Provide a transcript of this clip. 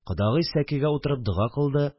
Кодагый сәкегә утырып дога кылды